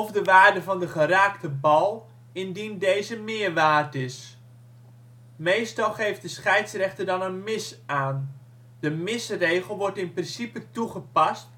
waarde van de geraakte bal, indien deze meer waard is. Meestal geeft de scheidsrechter dan een miss aan. De missregel wordt in principe toegepast